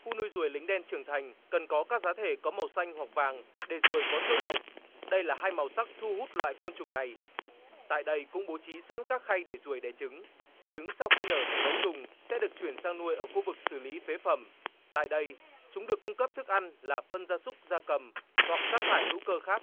khu nuôi ruồi lính đen trưởng thành cần có các giá thể có màu xanh hoặc vàng để ruồi có chỗ đậu đây là hai màu sắc thu hút loại côn trùng này tại đây cũng bố trí sẵn các khay để ruồi đẻ trứng trứng sau khi nở thành ấu trùng sẽ được chuyển sang nuôi ở khu vực xử lý phế phẩm tại đây chúng được cung cấp thức ăn là phân gia súc gia cầm hoặc rác thải hữu cơ khác